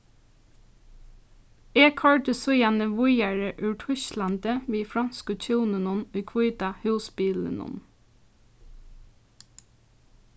eg koyrdi síðani víðari úr týsklandi við fronsku hjúnunum í hvíta húsbilinum